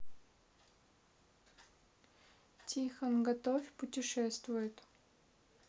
тихон готовь путешествует